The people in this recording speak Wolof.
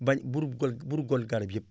bañ bul gor bul gor garab yëpp